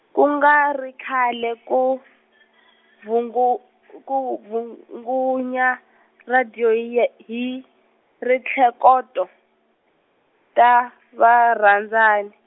ku nga ri khale ku, bvungu- ku bvungunya radiyo y- hi rhetlekoto-, ta varhandzani.